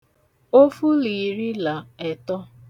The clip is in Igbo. ofu là ìri là ẹ̀tọ